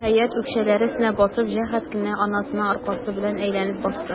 Хәят, үкчәләре өстенә басып, җәһәт кенә анасына аркасы белән әйләнеп басты.